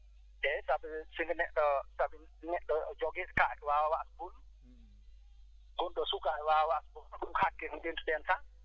eeyi par ce que sinno neɗɗo neɗɗo jogii kaake waawaa huul gonɗo suka waawaa ɗum hakke ko ndeentuɗen tan